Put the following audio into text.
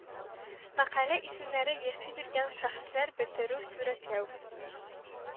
Мәкалә исемнәре Яши биргән шәхесләр Бетерү Сурәтләү